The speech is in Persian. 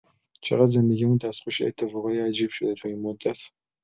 چقدر زندگی‌مون دستخوش اتفاقای عجیب شده تو این مدت!